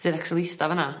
Sydd actual eista fan 'na.